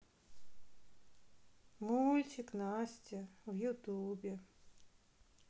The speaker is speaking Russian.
мультик настя в ютубе